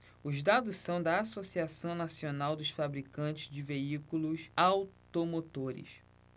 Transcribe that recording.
os dados são da anfavea associação nacional dos fabricantes de veículos automotores